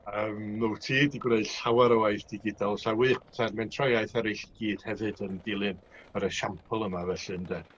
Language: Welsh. yym mo wt ti 'di gwneud llawer o waith digidol sa wych petai'r Mentrau Iaith eryll i gyd hefyd yn dilyn yr esiampl yma felly ynde.